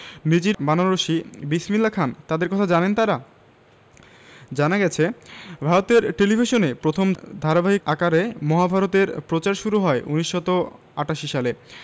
নিজির বানারসি বিসমিল্লা খান তাঁদের কথা জানেন তাঁরা জানা গেছে ভারতের টেলিভিশনে প্রথম ধারাবাহিক আকারে মহাভারত এর প্রচার শুরু হয় ১৯৮৮ সালে